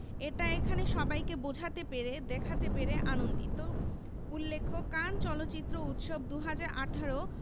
এটা এখানে সবাইকে বোঝাতে পেরে দেখাতে পেরে আনন্দিত উল্লেখ্য কান চলচ্চিত্র উৎসব ২০১৮